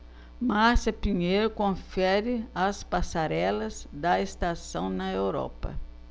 márcia pinheiro confere as passarelas da estação na europa